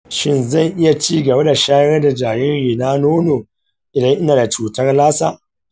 shin zan iya ci gaba da shayar da jaririna nono idan ina da cutar lassa?